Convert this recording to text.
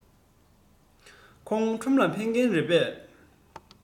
ཁོང ཁྲོམ ལ ཕེབས མཁན རེད པས